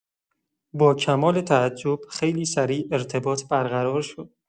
با کمال تعجب خیلی سریع ارتباط برقرار شد.